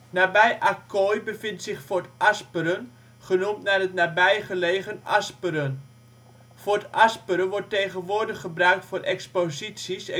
Nabij Acquoy bevindt zich Fort Asperen (genoemd naar het nabij gelegen Asperen). Fort Asperen wordt tegenwoordig gebruikt voor exposities